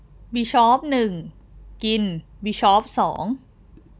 บิชอปหนึ่งกินบิชอปสอง